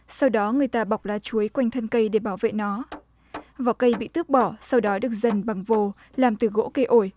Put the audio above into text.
sau đó người ta bọc lá chuối quanh thân cây để bảo vệ nó vỏ cây bị tước bỏ sau đó được dần bằng vồ làm từ gỗ cây ổi